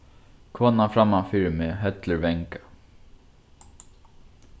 konan framman fyri meg hellir vanga